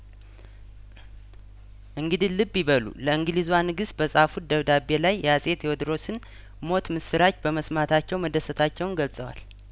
እንግዲህ ልብ ይበሉ ለእንግሊዟንግስት በጻፉት ደብዳቤ ላይ የአጼ ቴዎድሮስን ሞት ምስራች በመስማታቸው መደሰታቸውን ገልጸዋል